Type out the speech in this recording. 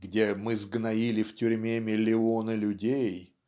где "мы сгноили в тюрьме миллионы людей"